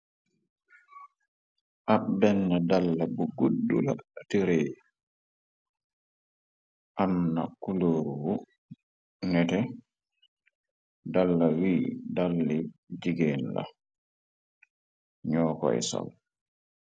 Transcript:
Ab benn dalla bu guddu la tirey am na kuloor wu nete dalla wi dalli jigéen la ñoo koy sow.